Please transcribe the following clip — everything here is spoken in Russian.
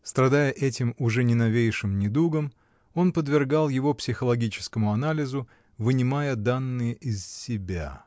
Страдая этим, уже не новейшим недугом, он подвергал его психологическому анализу, вынимая данные из себя.